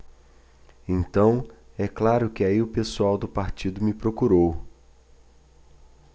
então é claro que aí o pessoal do partido me procurou